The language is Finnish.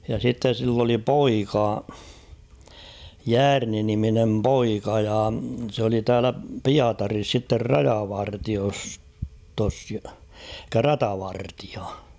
ja sitten sillä oli poika Jäärni niminen poika ja se oli täällä Pietarissa sitten rajavartiostossa eli ratavartija